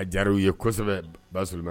A diyar'u ye kosɛbɛ basur'u ma